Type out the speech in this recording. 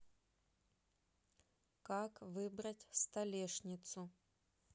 как выбрать столешницу